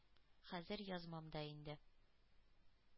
Хәзер язмам да инде.